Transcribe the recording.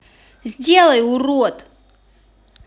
сделай урод